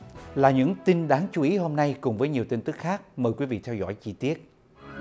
là những tin đáng chú ý hôm nay cùng với nhiều tin tức khác mời quý vị theo dõi chi tiết